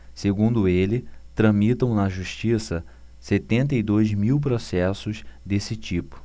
segundo ele tramitam na justiça setenta e dois mil processos desse tipo